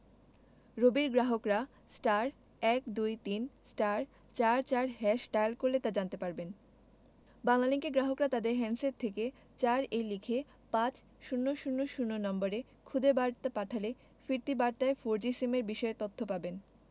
রবির গ্রাহকরা *১২৩*৪৪# ডায়াল করে তা জানতে পারবেন বাংলালিংকের গ্রাহকরা তাদের হ্যান্ডসেট থেকে ৪ এ লিখে পাঁচ শূণ্য শূণ্য শূণ্য নম্বরে খুদে বার্তা পাঠালে ফিরতি বার্তায় ফোরজি সিমের বিষয়ে তথ্য পাবেন